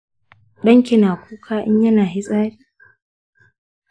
danki na kuka in yana fitsari